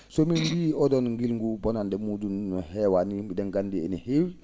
so men mbiyii nguun ?oon ngilngu nguu bonannde muu?um heewaani e?en nganndi no heewi